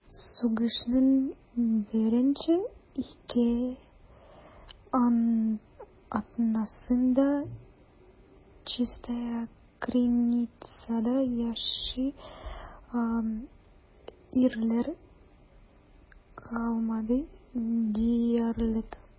Сугышның беренче ике атнасында Чистая Криницада яшь ирләр калмады диярлек.